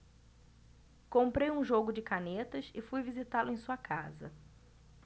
comprei um jogo de canetas e fui visitá-lo em sua casa